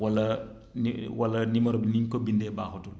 wala nu wala numéro bi ni ñu ko bindee baaxatul